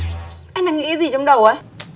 anh đang nghĩ cái gì trong đầu đấy